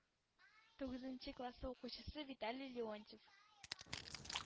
Тугызынчы классы укучысы виталий леонтьев